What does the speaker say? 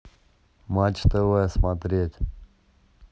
матч тв смотреть